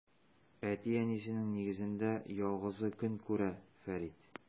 Әти-әнисенең нигезендә ялгызы көн күрә Фәрид.